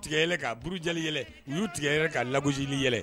Utigɛ yɛlɛ ka burujali yɛlɛ y'u tigɛ ka lagsili yɛlɛ